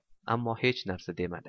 ammo hech narsa demadi